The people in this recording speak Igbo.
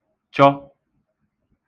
chọ